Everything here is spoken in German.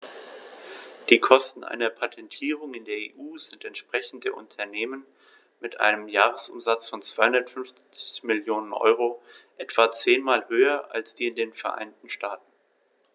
Die Kosten einer Patentierung in der EU sind, entsprechend der Unternehmen mit einem Jahresumsatz von 250 Mio. EUR, etwa zehnmal höher als in den Vereinigten Staaten.